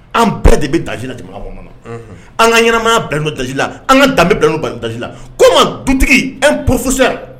An bɛɛ de bi danger la jamana kɔnɔ. An ka ɲɛnamaya balalen don danger la. An ka danbe bilalen don danger la. comment dutigi un professeur